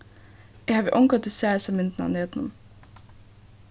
eg havi ongantíð sæð hesa myndina á netinum